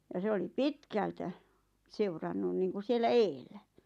ja se oli pitkältä seurannut niin kuin siellä edellä